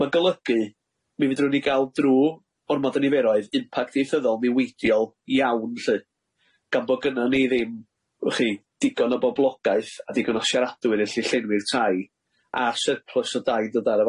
Ma'n golygu mi fedrwn ni ga'l drw ormod o niferoedd impact ieithyddol niweidiol iawn lly gan bo' gynnon ni ddim wch chi digon o boblogaeth a digon o siaradwyr elli llenwi'r tai a syrplys o daid o da'r y